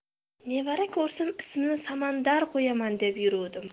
nevara ko'rsam ismini samandar qo'yaman deb yuruvdim